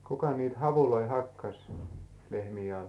kuka niitä havuja hakkasi lehmiä alle